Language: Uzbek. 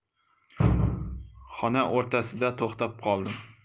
xona o'rtasida to'xtab qoldim